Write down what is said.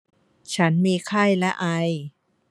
ฉันมีไข้และไอ